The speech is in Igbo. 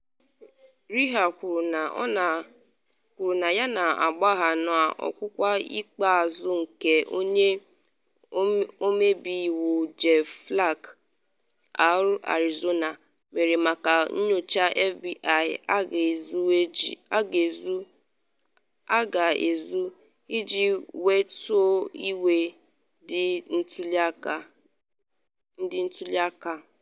Reeher kwuru na ya na-agbagha n’ọkwụkwa ikpeazụ nke Onye Ọmebe Iwu Jeff Flake (R-Arizona) mere maka nyocha FBI a ga-ezu iji wetuo iwe ndị ntuli aka.